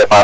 deparal